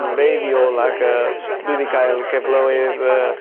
...yn wreiddiol ag yy dwi 'di cael cyfleoedd yy